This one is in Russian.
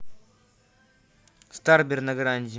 старбер на гранде